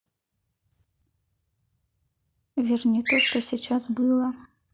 верни то что сейчас было